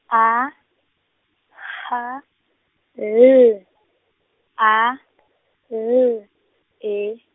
A, H, L, A, L, E.